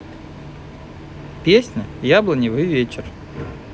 песня яблоневый вечер